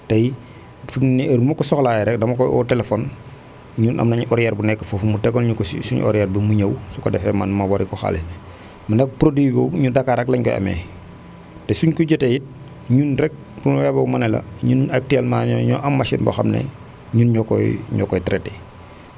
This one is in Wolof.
tey fu mu ne heure bu ma ko soxlaa rek dama koy oo téléphone ñun am nañu horaire bu nekk foofu mu tegal ñu ko si suñ horaire bi mu ñëw su ko defee man ma Wari ko xaalis bi ndax produit boobu ñun Dakar rek la ñu koy amee te suñ ko jotee it ñun rek su ma yeboo ma ne la ñun actuellement ñoo ñoo am machine boo xam ne ñun ñoo koy ñoo koy traité